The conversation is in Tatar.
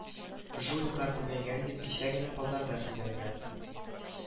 Жуликлар күбәйгән дип кичә генә базарда сөйләделәр